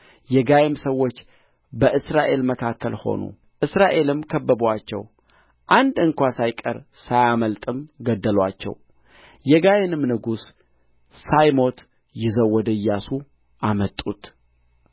የጋይም ሰዎች በእስራኤል መካከል ሆኑ እስራኤልም ከበቡአቸው አንድ እንኳ ሳይቀር ሳያመልጥም ገደሉአቸው የጋይንም ንጉሥ ሳይሞት ይዘው ወደ ኢያሱ አመጡት